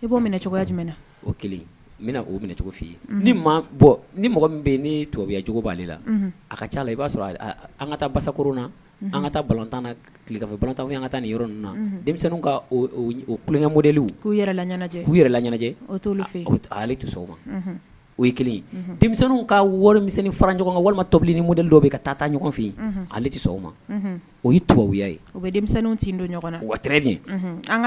I b' minɛ cogoya jumɛn na o kelen n bɛna k'o minɛcogo' i ye ni ma bɔ ni mɔgɔ min bɛ ni tubabuyacogo b'ale la a ka ca la i b'a sɔrɔ an ka taa basakoro na an ka taatan na tileka bamanantan an ka taa ni yɔrɔ na denmisɛnnin ka kukɛmod'u yɛrɛ la ɲ k' yɛrɛ la ɲ t to ma o ye kelen denmisɛnninw ka walimisɛnnin fara ɲɔgɔn kan walima tobili ni mun dɔw bɛ ka taa ɲɔgɔn fɛ yen ale tɛ so ma o ye tubabuya ye o bɛ denmisɛnninw ci don ɲɔgɔn na wa